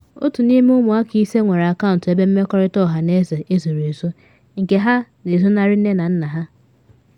Otu n’ime ụmụaka ise nwere akaụntụ ebe mmerịkọta ọhaneze ezoro ezo nke ha na ezonarị nne na nna ha